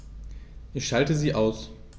Ich schalte sie aus.